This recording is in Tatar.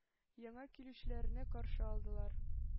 Яңа килүчеләрне каршы алдылар.